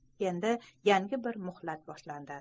dunyoda yangi bir muhlat boshlandi